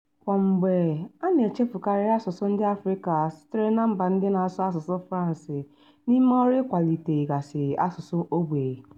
Kwamgbe, a na-echefukarị asụsụ ndị Afrịka sitere na mba ndị na-asụ asụsụ France n'ime ọrụ ịkwalite gasị asụsụ ogbe.